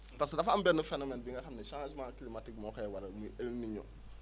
parce que dfa am benn phénomène bi nga xam ni changement climatique moo koy waral muy Elninio